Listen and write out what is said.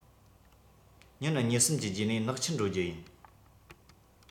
ཉིན གཉིས གསུམ གྱི རྗེས ནས ནག ཆུར འགྲོ རྒྱུ ཡིན